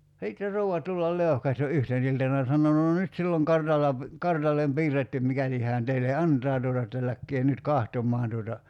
sitten se rouva tulla leuhkasi jo yhtenä iltana ja sanoi no nyt sillä on kartalla kartalle piirretty mikäli hän teille antaa tuota että lähtekää nyt katsomaan tuota